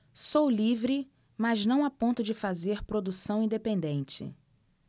sou livre mas não a ponto de fazer produção independente